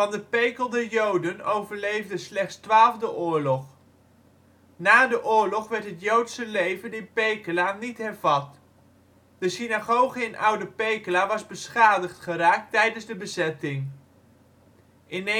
de Pekelder Joden overleefden slechts twaalf de oorlog. Na de oorlog werd het Joodse leven in Pekela niet hervat. De synagoge in Oude Pekela was beschadigd geraakt tijdens de bezetting. In 1979